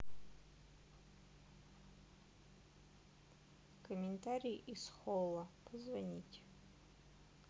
комментарий из холла позвонить